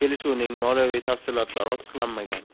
kelishuvning moliyaviy tafsilotlari ochiqlanmagan